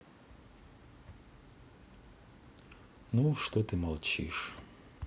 ну что ты молчишь